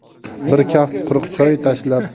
bir kaft quruq choy